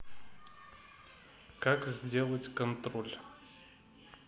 как сделать контроль